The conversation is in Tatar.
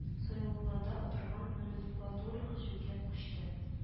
Сайлауларда оттырган номенклатура һөҗүмгә күчте